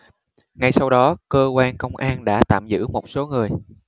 ngay sau đó cơ quan công an đã tạm giữ một số người